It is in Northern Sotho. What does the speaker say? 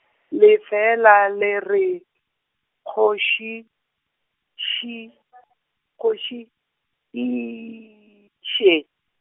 le fela le re, kgoši ši , kgoši eeiši.